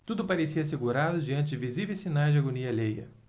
tudo parecia assegurado diante de visíveis sinais de agonia alheia